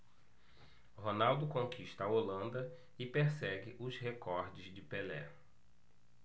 ronaldo conquista a holanda e persegue os recordes de pelé